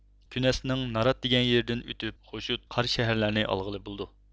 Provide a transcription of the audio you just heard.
كۈنەسنىڭ نارات دېگەن يېرىدىن ئۆتۈپ خوشۇت قارا شەھەرلەرنى ئالغىلى بولىدۇ